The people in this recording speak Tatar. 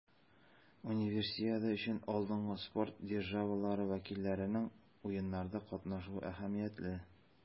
Универсиада өчен алдынгы спорт державалары вәкилләренең Уеннарда катнашуы әһәмиятле.